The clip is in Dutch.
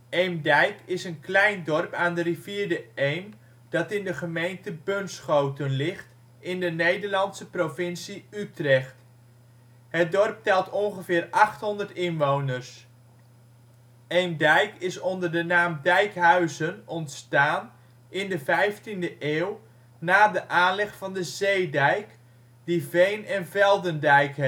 Eemdijk is een klein dorp aan de rivier de Eem dat in de gemeente Bunschoten ligt, in de Nederlandse provincie Utrecht. Het dorp telt ongeveer 800 inwoners. Eemdijk is onder de naam Dijkhuizen ontstaan in de vijftiende eeuw, na de aanleg van de zeedijk, die Veen - en Veldendijk